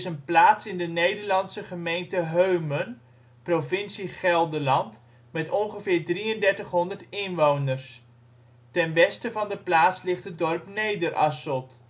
plaats in de Nederlandse gemeente Heumen, provincie Gelderland met ongeveer 3300 inwoners. Ten westen van de plaats ligt het dorp Nederasselt